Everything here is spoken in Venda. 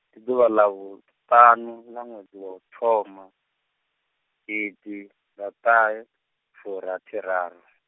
ndi ḓuvha ḽa vhuṱaṋu ḽa ṅwedzi wa uthoma, gidiḓaṱahefurathiraru.